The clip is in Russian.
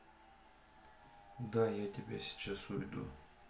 да я тебя сейчас уйду